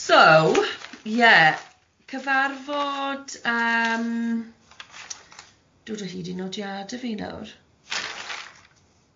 So ie cyfarfod yym dod o hyd i nodiadau fi nawr.